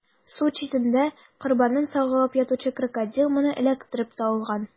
Су читендә корбанын сагалап ятучы Крокодил моны эләктереп тә алган.